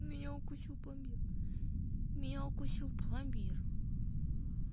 меня укусил пломбир